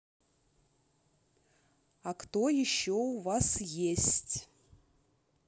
а кто еще у вас есть